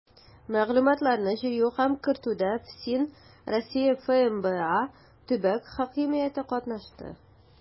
Мәгълүматларны җыю һәм кертүдә ФСИН, Россия ФМБА, төбәк хакимияте катнашты.